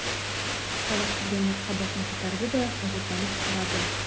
Тавыш килгән якка башын күтәрде дә, гаҗәпләнеп сорады.